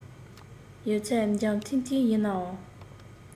ཡོད ཚད འཇམ ཐིང ཐིང ཡིན ན འང